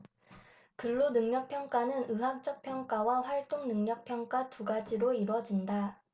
근로능력평가는 의학적 평가와 활동능력 평가 두 가지로 이뤄진다